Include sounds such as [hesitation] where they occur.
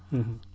[hesitation] [hesitation]